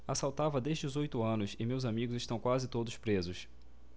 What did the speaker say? assaltava desde os oito anos e meus amigos estão quase todos presos